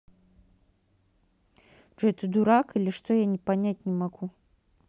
джой ты дурак или что я не понять не могу